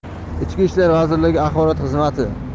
ichki ishlar vazirligi axborot xizmati